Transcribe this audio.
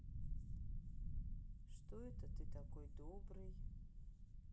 что это ты такой добрый